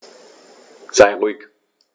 Sei ruhig.